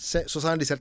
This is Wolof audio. cinq 77